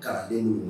'aden y'